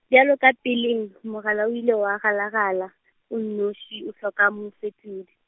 bjalo ka peleng , mogala o ile wa galagala, o nnoši, o hloka mofetodi.